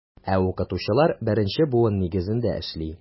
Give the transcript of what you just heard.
Ә укытучылар беренче буын нигезендә эшли.